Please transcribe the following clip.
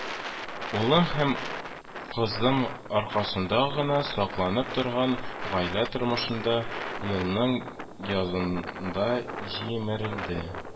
Улым һәм кызым аркасында гына сакланып торган гаилә тормышында елның язында җимерелде